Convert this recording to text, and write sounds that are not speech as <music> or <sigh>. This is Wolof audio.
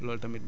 <hesitation> <hesitation>